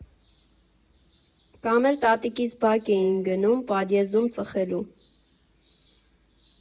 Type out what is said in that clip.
Կամ էլ տատիկիս բակ էինք գնում՝ պադյեզդում ծխելու։